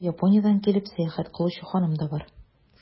Арада, Япониядән килеп, сәяхәт кылучы ханым да бар.